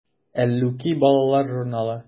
“әллүки” балалар журналы.